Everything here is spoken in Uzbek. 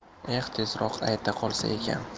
eh tezroq ayta qolsa ekan